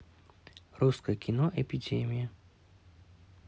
русское кино эпидемия